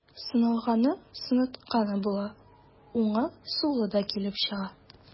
Сыналганы, сынатканы була, уңы, сулы да килеп чыга.